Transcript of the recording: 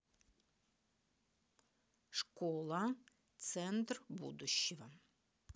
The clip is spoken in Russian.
школа центр будущего